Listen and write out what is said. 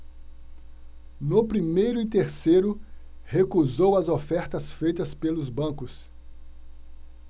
no primeiro e terceiro recusou as ofertas feitas pelos bancos